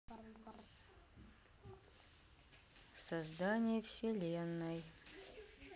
создание вселенной